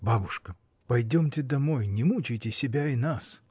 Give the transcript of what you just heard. — Бабушка, пойдемте домой, — не мучайте себя и нас!